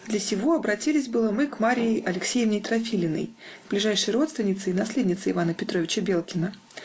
Для сего обратились было мы к Марье Алексеевне Трафилиной, ближайшей родственнице и наследнице Ивана Петровича Белкина